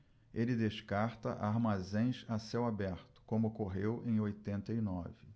ele descarta armazéns a céu aberto como ocorreu em oitenta e nove